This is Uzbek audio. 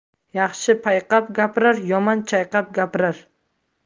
yaxshi payqab gapirar yomon chayqab gapirar